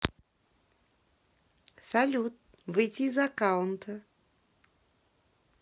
салют выйти из аккаута